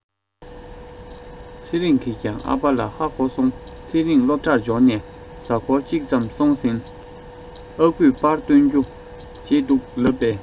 ཚེ རིང གིས ཀྱང ཨ ཕ ལ ཧ གོ སོང ཚེ རིང སློབ གྲྭར འབྱོར ནས གཟའ འཁོར གཅིག ཙམ སོང ཟིན ཨ ཁུས པར བཏོན རྒྱུ བརྗེད འདུག ལབ པས